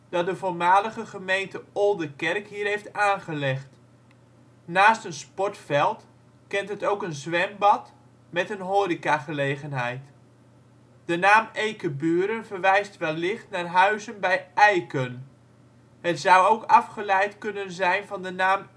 dat de voormalige gemeente Oldekerk hier heeft aangelegd. Naast een sportveld kent het ook een zwembad met een horecagelegenheid. De naam Eekeburen verwijst wellicht naar huizen bij Eiken. Het zou ook afgeleid kunnen zijn van de naam